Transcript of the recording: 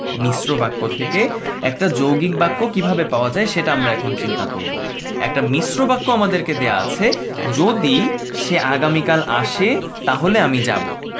মিশ্র বাক্য থেকে একটা যৌগিক বাক্য কিভাবে পাওয়া যায় সেটা এখন আমরা চিন্তা করব একটা মিশ্র বাক্য আমাদেরকে দেয়া আছে যদি সে আগামি কাল আসে তাহলে আমি যাব